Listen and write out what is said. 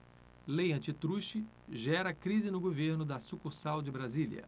lei antitruste gera crise no governo da sucursal de brasília